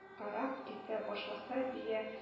Карак китә башласа, бия